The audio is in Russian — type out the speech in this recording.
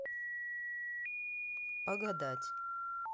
погадать